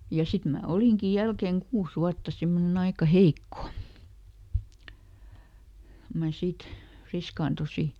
ja sitten minä olinkin jälkeen kuusi vuotta semmoinen aika heikko kun minä sitten friskaannuin